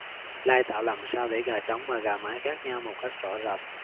lai tạo làm sao để gà trống và gà mái khác nhau một cách rõ rệt